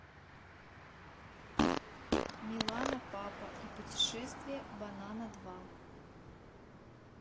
милана папа и путешествие банана два